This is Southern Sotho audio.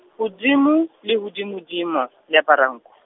hodimo, le hodimodimo, leaparankwe.